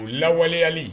O lawaleyali